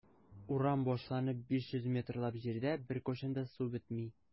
Урам башланып 500 метрлап җирдә беркайчан да су бетми.